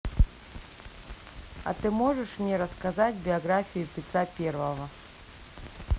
а ты можешь мне рассказать биографию петра первого